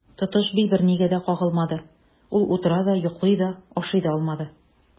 Тотыш би бернигә дә кагылмады, ул утыра да, йоклый да, ашый да алмады.